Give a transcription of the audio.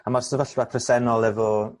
a ma'r sefyllfa presennol efo